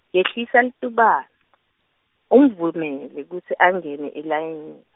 Yehlisa litubane , umvumele kutsi angene elayinini.